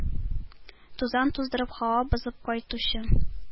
Тузан туздырып, һава бозып кайтучы